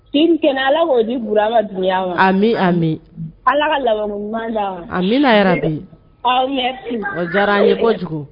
Si ni kɛnɛya Ala ko di Burama Dunbiya ma. Ami ami . Ala ka laban ko ɲuman da ma. Amina yarabi . Aw merci A diyara an ye kojugu.